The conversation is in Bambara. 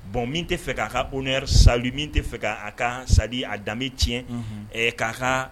Bon min tɛ fɛ k'a ka oɛ sa min tɛ fɛ k'a ka sa a danbemi tiɲɛ k'a ka